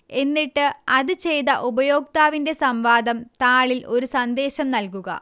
എന്നിട്ട് അത് ചെയ്ത ഉപയോക്താവിന്റെ സംവാദം താളിൽ ഒരു സന്ദേശം നൽകുക